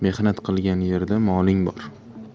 bor mehnat qilgan yerda moling bor